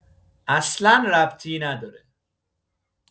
اصلا ربطی نداره.